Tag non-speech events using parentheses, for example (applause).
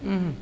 (hesitation) (hesitation)